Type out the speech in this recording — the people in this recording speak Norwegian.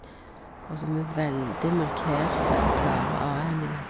Og så med veldig markerte og klare a-endinger.